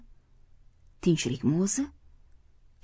tinchlikmi o'zi